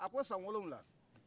a ko san wolofila